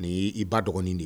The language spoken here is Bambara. Ni y'i i ba dɔgɔnin de ye